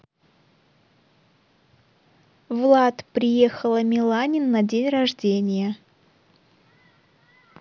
vlad приехала миланин на день рождения